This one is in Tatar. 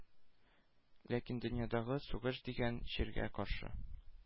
Ләкин дөньядагы сугыш дигән чиргә каршы